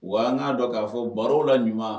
Wa an k'a dɔn k'a fɔ barow laɲuman